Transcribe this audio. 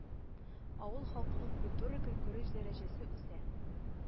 Авыл халкының культура-көнкүреш дәрәҗәсе үсә.